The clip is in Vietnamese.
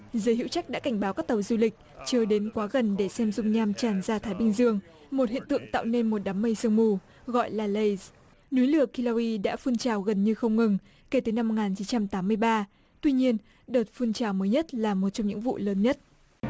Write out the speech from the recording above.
giới hữu trách đã cảnh báo các tàu du lịch chớ đến quá gần để xem dung nham tràn ra thái bình dương một hiện tượng tạo nên một đám mây sương mù gọi là lây núi lửa ki la uy đã phun trào gần như không ngừng kể từ năm một ngàn chín trăm tám mươi ba tuy nhiên đợt phun trào mới nhất là một trong những vụ lớn nhất